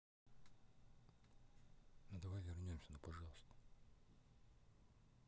ну давай вернемся ну пожалуйста